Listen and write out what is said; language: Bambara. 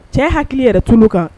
Cɛ hakili yɛrɛ tunun kan